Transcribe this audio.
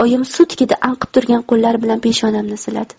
oyim sut hidi anqib turgan qo'llari bilan peshonamni siladi